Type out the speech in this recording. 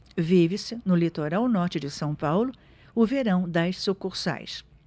vive-se no litoral norte de são paulo o verão das sucursais